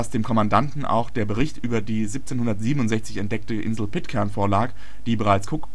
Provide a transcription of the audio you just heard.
dem Kommandanten auch der Bericht über die 1767 entdeckte Insel Pitcairn vorlag, die bereits Cook